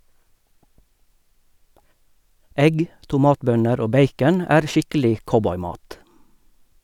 Egg, tomatbønner og bacon er skikkelig cowboymat.